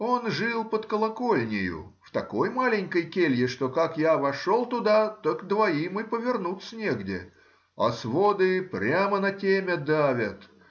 Он жил под колокольнею в такой маленькой келье, что как я вошел туда, так двоим и повернуться негде, а своды прямо на темя давят